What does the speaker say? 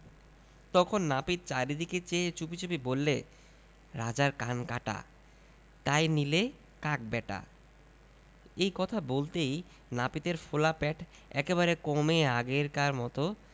তখন নাপিত চারিদিকে চেয়ে চুপিচুপি বললে রাজার কান কাটা তাই নিলে কাক ব্যাটা এই কথা বলতেই নাপিতের ফোলা পেট একেবারে কমে আগেকার মতো